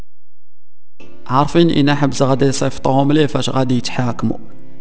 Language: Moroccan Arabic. عارفين احب صديقتي فطوم يتحاكموا